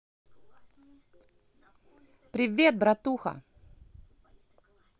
привет братуха